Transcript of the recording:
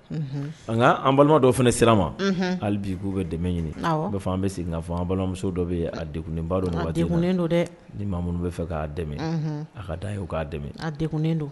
An balima hali bi k'u bɛ dɛ ɲini bɛ sigi balimamuso dɔ bɛg badɔk don dɛ ni ma minnu bɛ fɛ k'a dɛ a ka da ye'a dɛmɛ don